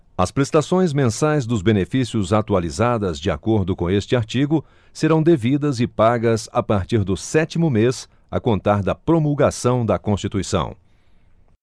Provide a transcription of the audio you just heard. as prestações mensais dos benefícios atualizadas de acordo com este artigo serão devidas e pagas a partir do sétimo mês a contar da promulgação da constituição